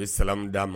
E samu d'a ma